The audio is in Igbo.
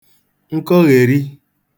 nkọghèri